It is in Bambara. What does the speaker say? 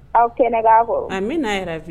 Aw kɛnɛ b'a kɔ an bɛna yɛrɛfi